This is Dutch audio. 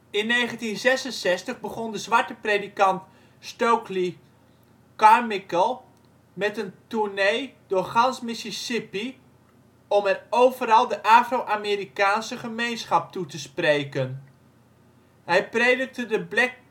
1966 begon de zwarte predikant Stokely Carmichael met een tournee door gans Mississippi om er overal de Afro-Amerikaanse gemeenschap toe te spreken. Hij predikte de Black